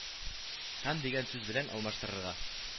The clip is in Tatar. Һәм дигән сүз белән алмаштырырга